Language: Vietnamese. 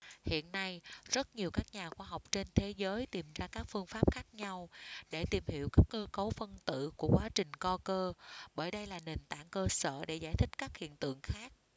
hiện nay rất nhiều các nhà khoa học trên thế giới tìm ra các phương pháp khác nhau để tìm hiểu các cơ cấu phân tử của quá trình co cơ bởi đây là nền tảng cơ sở để giải thích các hiện tượng khác